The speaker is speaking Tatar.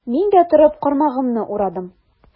Мин дә, торып, кармагымны урадым.